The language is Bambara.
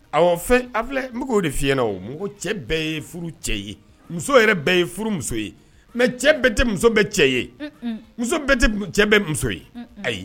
Aw fɛn filɛo de fiɲɛna o mugu cɛ bɛɛ ye furu cɛ ye muso yɛrɛ bɛɛ ye furu muso ye mɛ cɛ bɛɛ tɛ muso bɛ cɛ ye muso cɛ bɛ muso ye ayi